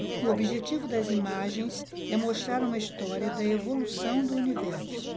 o objetivo das imagens é mostrar uma história da evolução do universo